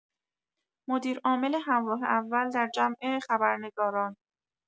مدیرعامل همراه اول در جمع خبرنگاران